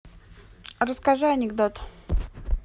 расскажи анекдот